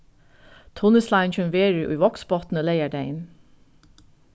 tunnusláingin verður í vágsbotni leygardagin